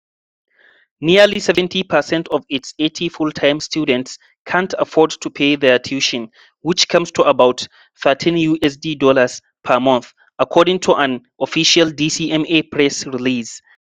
Nearly 70% of its 80 full-time students can't afford to pay their tuition, which comes to about $13 USD per month, according to an official DCMA press release.